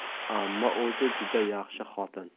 ammo o'zi juda yaxshi xotin